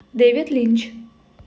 девид линч